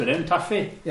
Ie.